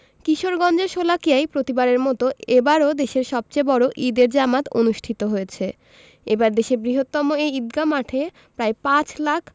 কিশোরগঞ্জের শোলাকিয়ায় প্রতিবারের মতো এবারও দেশের সবচেয়ে বড় ঈদের জামাত অনুষ্ঠিত হয়েছে এবার দেশের বৃহত্তম এই ঈদগাহ মাঠে প্রায় পাঁচ লাখ